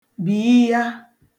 bìiya